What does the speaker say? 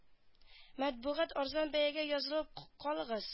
Матбугат- арзан бәягә язылып калыгыз